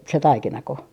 se taikinako